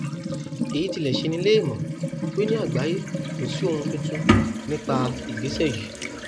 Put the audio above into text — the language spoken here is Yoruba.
Èyí tilẹ̀ ṣeni ní èèmọ̀, pé ní àgbáyé, kò sí ohun tuntun nípa ìgbésẹ̀ yìí.